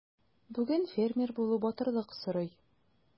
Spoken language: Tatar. Бүген фермер булу батырлык сорый.